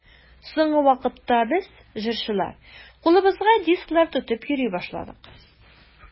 Соңгы вакытта без, җырчылар, кулыбызга дисклар тотып йөри башладык.